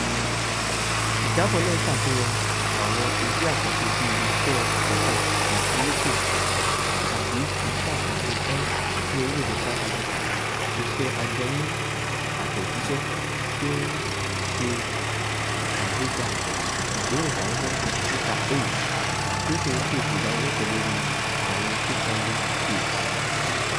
Ìjábọ̀ náà ṣe àfihàn àwọn iṣẹ́ àkànṣe bíi Iṣẹ́ Àkànṣe Masiluleke (tàbí Iṣẹ́ Àkànṣe M) ní orílẹ̀ èdè South Africa, iṣẹ́ ajẹmọ́ àtẹ̀jíṣẹ́ tí ó ń ṣe àgbéga ìgbóhùnsáfẹ́fẹ́ nípa AIDS tí ó sì ń pèsè ìdánilẹ́kọ̀ọ́ lórí àrùn HIV/AIDS.